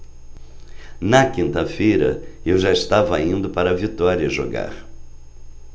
na quinta-feira eu já estava indo para vitória jogar